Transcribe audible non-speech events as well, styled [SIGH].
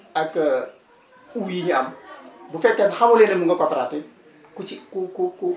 ak [HESITATION] houe yi ñu am [CROSSTALK] bu fekkee ne xamu leen ne mu nga coopérative ki ci ku ku ku